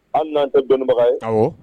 Hali n'an tɛ dɔnnibaga ye.